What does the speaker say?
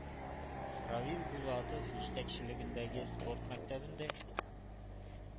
Равил Булатов җитәкчелегендәге спорт мәктәбендә